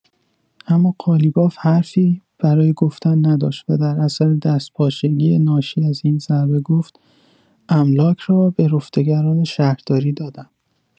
اما قالیباف حرفی برای گفتن نداشت ودر اثر دستپاچگی ناشی از این ضربه گفت: «املاک را به رفتگران شهرداری دادم».